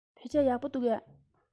བོད ཆས ཡག པོ འདུག གས